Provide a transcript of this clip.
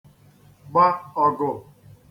gba ọ̀gụ̀